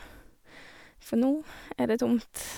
For nå er det tomt.